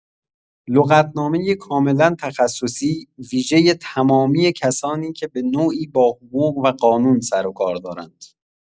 لغت‌نامه کاملا تخصصی ویژه تمامی کسانی که به‌نوعی با حقوق و قانون سر و کار دارند.